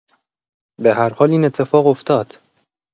به‌هرحال این اتفاق افتاد.